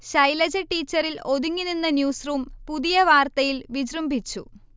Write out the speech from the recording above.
ശൈലജ ടീച്ചറിൽ ഒതുങ്ങിനിന്ന ന്യൂസ്റൂം പുതിയ വാർത്തയിൽ വിജൃംഭിച്ചു